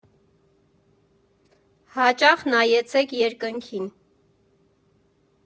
Հաճախ նայեցեք երկնքին։